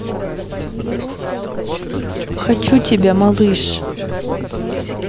хочу тебя малыш